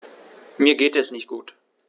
Mir geht es nicht gut.